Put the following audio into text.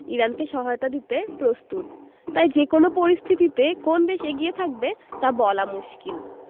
ইরানকে সহায়তা দিতে প্রস্তুত তাই যেকোনো পরিস্থিতিতে কোন দেশ এগিয়ে থাকবে তা বলা মুশকিল